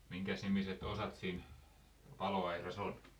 minkäsnimiset osat siinä paloaurassa on